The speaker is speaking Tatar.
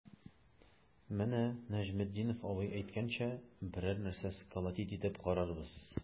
Менә Нәҗметдинов абый әйткәнчә, берәр нәрсә сколотить итеп карарбыз.